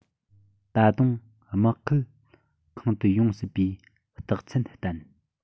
ད དུང དམག ཁུལ ཁང དུ ཡོང སྲིད པའི རྟགས མཚན བསྟན